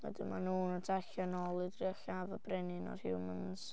Wedyn maen nhw'n atacio nôl i drio lladd y brenin o'r humans.